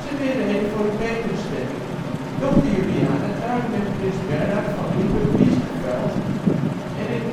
weer reden voor een betere stemming: dochter Juliana trouwde met prins Bernhard van Lippe-Biesterfeld en in